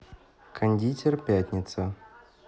кондитер пятница